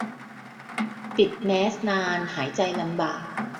ปิดแมสนานหายใจลำบาก